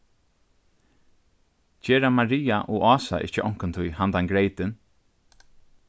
gera maria og ása ikki onkuntíð handan greytin